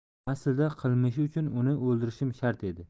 aslida qilmishi uchun uni o'ldirishim shart edi